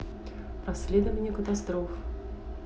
расследования авиакатастроф